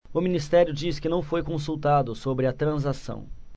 o ministério diz que não foi consultado sobre a transação